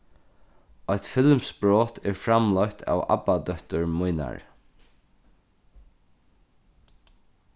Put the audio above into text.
eitt filmsbrot er framleitt av abbadóttur mínari